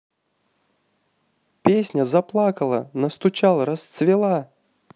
песня заплакала настучал расцвела